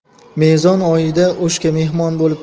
mezon oyida o'shga mehmon bo'lib kelgan